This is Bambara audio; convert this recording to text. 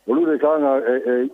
Olu de kan ka